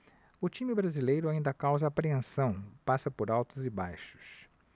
o time brasileiro ainda causa apreensão passa por altos e baixos